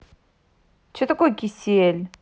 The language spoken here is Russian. что такое кисиль